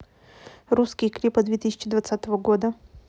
русские клипы две тысячи двадцатого года